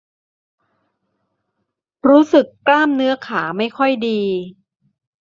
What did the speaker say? รู้สึกกล้ามเนื้อขาไม่ค่อยดี